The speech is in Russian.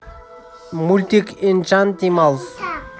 мультик энчантималс